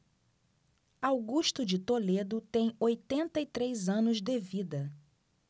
augusto de toledo tem oitenta e três anos de vida